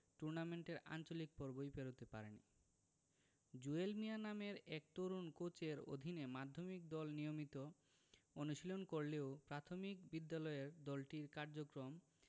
টুর্নামেন্টের আঞ্চলিক পর্বই পেরোতে পারেনি জুয়েল মিয়া নামের এক তরুণ কোচের অধীনে মাধ্যমিক দল নিয়মিত অনুশীলন করলেও প্রাথমিক বিদ্যালয়ের দলটির কার্যক্রম